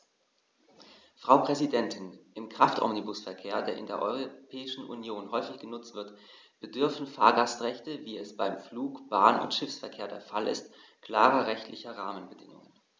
Frau Präsidentin, im Kraftomnibusverkehr, der in der Europäischen Union häufig genutzt wird, bedürfen Fahrgastrechte, wie es beim Flug-, Bahn- und Schiffsverkehr der Fall ist, klarer rechtlicher Rahmenbedingungen.